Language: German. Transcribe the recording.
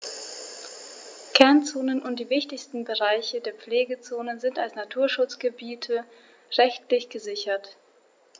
Kernzonen und die wichtigsten Bereiche der Pflegezone sind als Naturschutzgebiete rechtlich gesichert.